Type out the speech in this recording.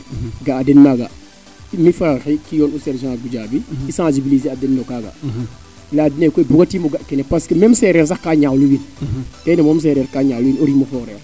ga'a den maaga mi fa yoon u sergent Goudiaby i sensibliser a den no kaaga leya dene koy buga timpo ga kene parce que meme sereer sax ka ñaawlu win keene moom sereer kaa ñaalu win o rimo fooreer